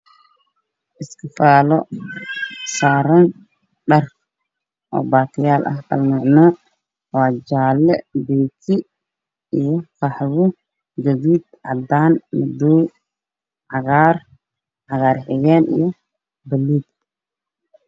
Iskafaalo saaran baatiyaal kala nooc ah